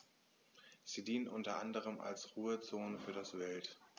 Sie dienen unter anderem als Ruhezonen für das Wild.